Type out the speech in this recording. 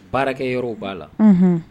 Baarakɛyɔrɔw b'a la, unhun